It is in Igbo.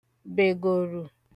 bègòrù